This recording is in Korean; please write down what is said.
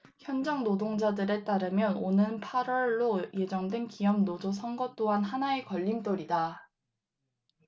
현장 노동자들에 따르면 오는 팔 월로 예정된 기업노조 선거 또한 하나의 걸림돌이다